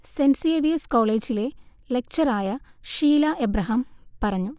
saint Xavier's കോളേജിലെ lecturer ആയ ഷീല എബ്രഹാം പറഞ്ഞു